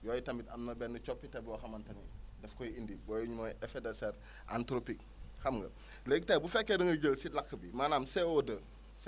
yooyu tamit am na benn coppite boo xamante ni daf koy indi yooyu mooy effet de serre antropique xam nga léegi tey bu fekkee da ngay jël sa lakk bi maanaam CO2